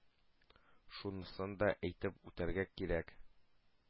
Шунысын да әйтеп үтәргә кирәк: